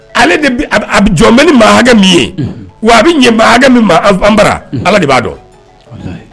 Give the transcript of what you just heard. Ale a jɔn bɛ ni maa hakɛ min ye wa a bɛ ɲɛ maa hakɛ min bara ala de b'a dɔn